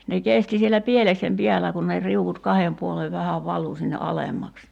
ne kesti siellä pieleksen päällä kun ne riu'ut kahden puolen vähän valui sinne alemmaksi